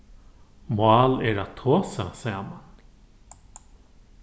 mál er at tosa saman